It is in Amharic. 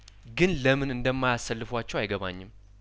ግን ለምን እንደማያሰልፏቸው አይገባኝም